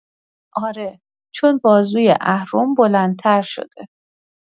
آره، چون بازوی اهرم بلندتر شده.